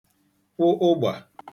kwụ ụgbà